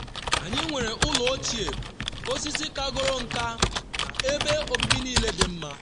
“Anyị nwere ụlọ ochie, osisi kagoro nka na ebe obibi niile dị mma.